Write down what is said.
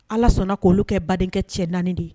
Ala sɔnna k' olu kɛ badenkɛ cɛ naani de ye